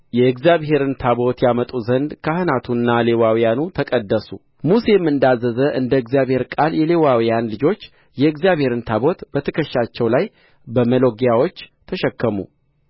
የእግዚአብሔርን ታቦት ያመጡ ዘንድ ካህናቱና ሌዋውያኑ ተቀደሱ ሙሴም እንዳዘዘው እንደ እግዚአብሔር ቃል የሌዋውያን ልጆች የእግዚአብሔርን ታቦት በትከሻቸው ላይ በመሎጊያዎቹ ተሸከሙ